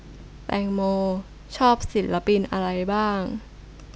แตงโมชอบศิลปินอะไรบ้าง